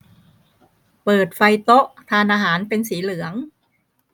เปิดไฟโต๊ะทานอาหารเป็นสีเหลือง